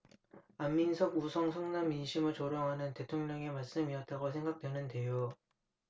안민석 우선 성난 민심을 조롱하는 대통령의 말씀이었다고 생각 되는데요